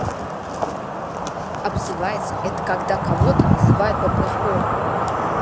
обзывается это когда кого то называют по плохому